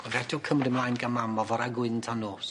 Ma' radio Cymru mlaen gan mam o fora gwyn tan nos.